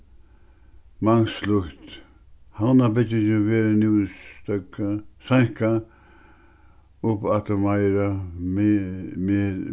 mangt slíkt havnarbyggingin verður nú støðgað seinkað upp aftur meira